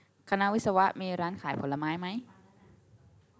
คณะวิศวะมีร้านขายผลไม้ไหม